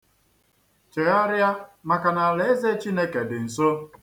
Chegharịa maka na ala eze Chineke dị nso.